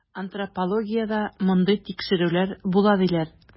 Антропологиядә мондый тикшерүләр була, диләр.